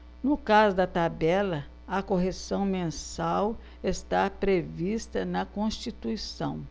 no caso da tabela a correção mensal está prevista na constituição